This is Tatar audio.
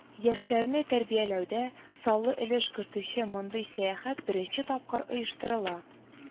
Яшьләрне тәрбияләүдә саллы өлеш кертүче мондый сәяхәт беренче тапкыр оештырыла